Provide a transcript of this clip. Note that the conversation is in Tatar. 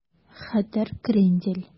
Хәтәр крендель